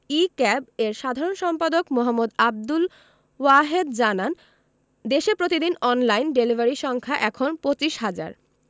ই CAB এর সাধারণ সম্পাদক মো. আবদুল ওয়াহেদ জানান দেশে প্রতিদিন অনলাইন ডেলিভারি সংখ্যা এখন ২৫ হাজার